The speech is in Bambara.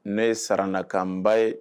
Ne ye sara nakanba ye